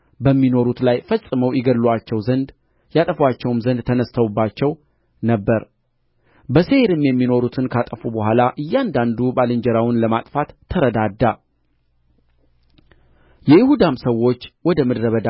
በሚኖሩት ላይ ፈጽመው ይገድሉአቸው ዘንድ ያጠፉአቸውም ዘንድ ተነሥተውባቸው ነበር በሴይርም የሚኖሩትን ካጠፉ በኋላ እያንዳንዱ ባልንጀራውን ለማጥፋት ተረዳዳ የይሁዳም ሰዎች ወደ ምድረ በዳ